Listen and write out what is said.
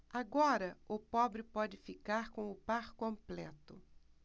agora o pobre pode ficar com o par completo